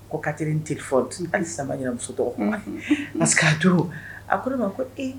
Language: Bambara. Ka n teri fɔ sabamuso tɔgɔ parce que duuru a ko de ma ko